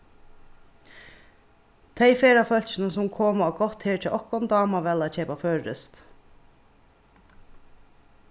tey ferðafólkini sum koma á gátt her hjá okkum dáma væl at keypa føroyskt